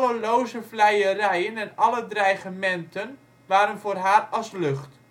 loze vleierijen en alle dreigementen waren voor haar als lucht